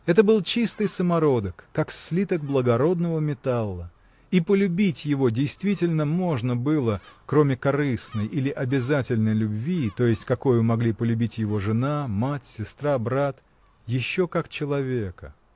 Это был чистый самородок, как слиток благородного металла, и полюбить его действительно можно было, кроме корыстной или обязательной любви, то есть какою могли любить его жена, мать, сестра, брат, — еще как человека.